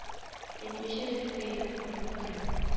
Әйтмичә дә бик әйбәт күренеп тора